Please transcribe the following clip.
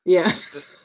Ia .